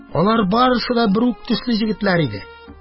Алар барысы да бер үк төсле егетләр иде.